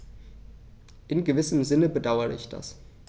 In gewissem Sinne bedauere ich das.